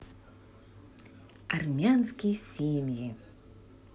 армянские семьи